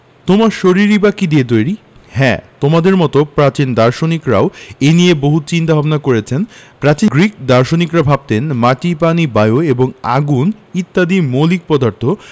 তোমার শরীরই বা কী দিয়ে তৈরি হ্যাঁ তোমাদের মতো প্রাচীন দার্শনিকেরাও এ নিয়ে বহু চিন্তা ভাবনা করেছেন প্রাচীন গ্রিক দার্শনিকেরা ভাবতেন মাটি পানি বায়ু এবং আগুন ইত্যাদি মৌলিক পদার্থ